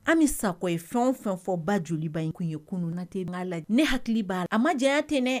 An bɛ sakɔ ye fɛn o fɛn fɔba joliba in kun ye kununnatɛ'a la ne hakili b'a a ma diyaya tɛ ne